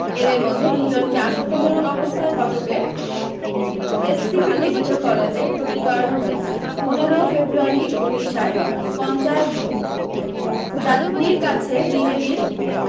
এদের মধ্যে দু জনকে আশঙ্কাজনক অবস্থায় কটকের এসসিবি মেডিক্যাল কলেজে ভর্তি করানো হয়েছে পনেরোও ফেব্রুয়ারি ওড়িশায় পঞ্চায়েত ভোট জাটনির কাছে বিজেডির